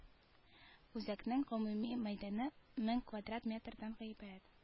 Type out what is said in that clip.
Үзәкнең гомуми мәйданы мең квадрат метрдан гыйбарәт